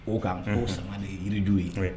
O k'' saba ye yirijuw ye